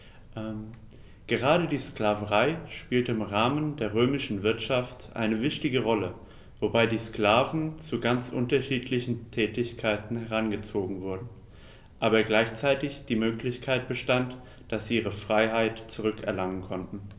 Gerade die Sklaverei spielte im Rahmen der römischen Wirtschaft eine wichtige Rolle, wobei die Sklaven zu ganz unterschiedlichen Tätigkeiten herangezogen wurden, aber gleichzeitig die Möglichkeit bestand, dass sie ihre Freiheit zurück erlangen konnten.